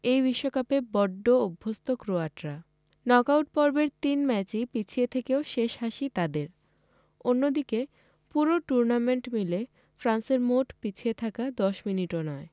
এই বিশ্বকাপে বড্ড অভ্যস্ত ক্রোয়াটরা নক আউট পর্বের তিনটি ম্যাচই পিছিয়ে থেকেও শেষ হাসি তাদের অন্যদিকে পুরো টুর্নামেন্ট মিলে ফ্রান্সের মোট পিছিয়ে থাকা ১০ মিনিটও নয়